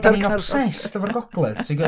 Dan ni'n obsessed efo'r Gogledd ti'n gwbod.